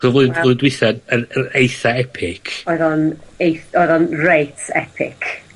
Odd o flwy-... Wel. ... flwyddyn dwitha'n yn yn eitha epic. Oedd o'n eith- odd o'n reit epic.